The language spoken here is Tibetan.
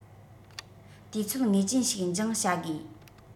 དུས ཚོད ངེས ཅན ཞིག འགྱངས བྱ དགོས